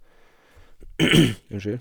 Unnskyld.